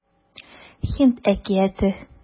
Һинд әкияте